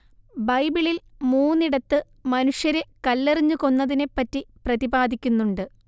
ബൈബിളിൽ മൂന്നിടത്ത് മനുഷ്യരെ കല്ലെറിഞ്ഞ് കൊന്നതിനെപ്പറ്റി പ്രതിപാദിക്കുന്നുണ്ട്